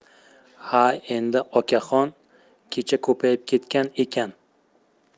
ha endi akaxon kecha ko'payib ketgan ekan